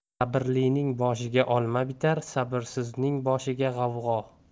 sabrlining boshiga olma bitar sabrsizning boshiga g'avg'o